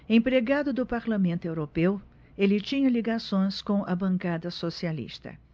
empregado do parlamento europeu ele tinha ligações com a bancada socialista